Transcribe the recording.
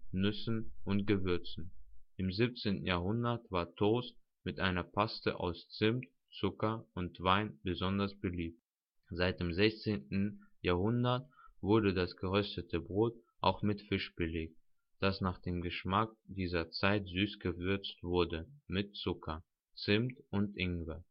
Nüssen und Gewürzen. Im 17. Jahrhundert war Toast mit einer Paste aus Zimt, Zucker und Wein besonders beliebt. Seit dem 16. Jahrhundert wurde das geröstete Brot auch mit Fleisch belegt, das nach dem Geschmack dieser Zeit süß gewürzt wurde mit Zucker, Zimt und Ingwer